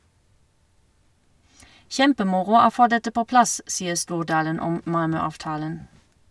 - Kjempemoro å få dette på plass, sier Stordalen om Malmö-avtalen.